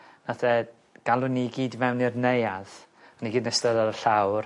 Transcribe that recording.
...nath e galw ni i gyd mewn i'r neuadd. O'n ni gyd yn istedd ar y llawr.